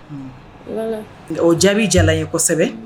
O jaabi jala ye kosɛbɛ